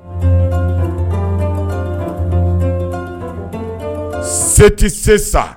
Seti se